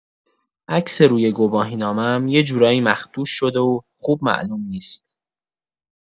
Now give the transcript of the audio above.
عکس روی گواهینامه‌ام یه جورایی مخدوش شده و خوب معلوم نیست.